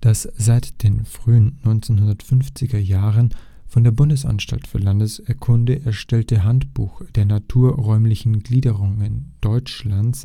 Das seit den frühen 1950er Jahren von der Bundesanstalt für Landeskunde erstellte Handbuch der naturräumlichen Gliederung Deutschlands